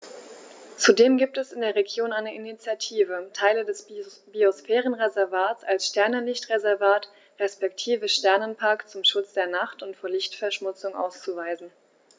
Zudem gibt es in der Region eine Initiative, Teile des Biosphärenreservats als Sternenlicht-Reservat respektive Sternenpark zum Schutz der Nacht und vor Lichtverschmutzung auszuweisen.